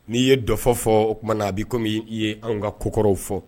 Ni ye dɔfɔ fɔ o kuma na a bi komi i ye an ka ko kɔrɔw fɔ.